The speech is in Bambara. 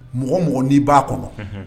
Mɔgɔ mɔgɔ n'i b'a kɔnɔ